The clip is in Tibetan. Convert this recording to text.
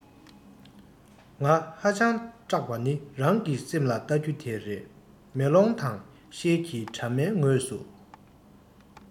ང ཧ ཅང སྐྲག པ ནི རང གི སེམས ལ བལྟ རྒྱུ དེ རེད མེ ལོང དང ཤེལ གྱི དྲ མའི ངོས སུ